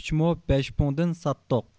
ئۈچ مو بەش پۇڭدىن ساتتۇق